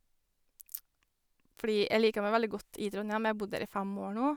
Fordi jeg liker meg veldig godt i Trondhjem, jeg har bodd her i fem år nå.